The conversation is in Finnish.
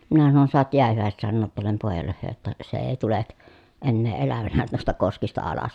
minä sanoin saat jäähyväiset sanoa tuolle pojalle - jotta se ei tule enää elävänä noista koskista alas